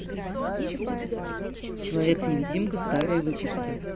человек невидимка старые выпуски